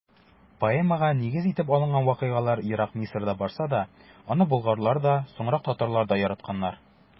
Поэмага нигез итеп алынган вакыйгалар ерак Мисырда барса да, аны болгарлар да, соңрак татарлар да яратканнар.